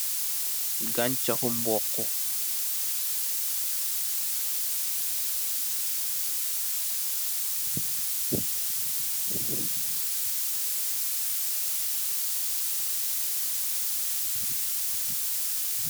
Gan chakou mbokou la